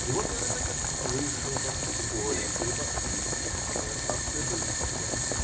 И вот я наконец слышу по стуку поезда и по свисту, что моя станция близко.